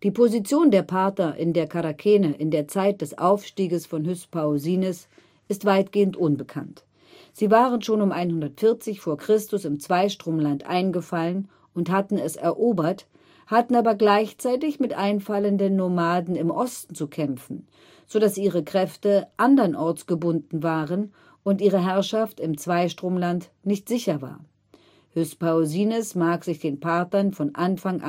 Position der Parther in der Charakene in der Zeit des Aufstieges von Hyspaosines ist weitgehend unbekannt. Sie waren schon um 140 v. Chr. im Zweistromland eingefallen und hatten es erobert, hatten aber gleichzeitig mit einfallenden Nomaden im Osten zu kämpfen, so dass ihre Kräfte andernorts gebunden waren und ihre Herrschaft im Zweistromland nicht sicher war. Hyspaosines mag sich den Parthern von Anfang